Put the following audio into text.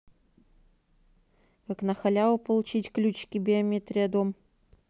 как нахаляву получить ключики биометрия дом